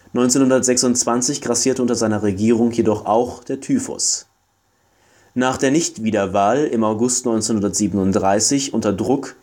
1926 grassierte unter seiner Regierung jedoch auch der Typhus. Nach der Nicht-Wiederwahl im August 1937 unter Druck